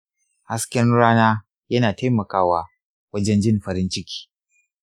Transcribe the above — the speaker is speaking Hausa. hasken rana yana taimakawa wajan jin farin ciki.